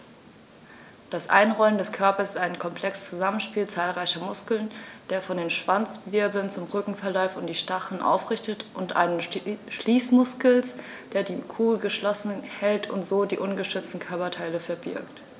Das Einrollen des Körpers ist ein komplexes Zusammenspiel zahlreicher Muskeln, der von den Schwanzwirbeln zum Rücken verläuft und die Stacheln aufrichtet, und eines Schließmuskels, der die Kugel geschlossen hält und so die ungeschützten Körperteile verbirgt.